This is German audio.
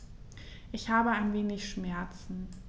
Ich habe ein wenig Schmerzen.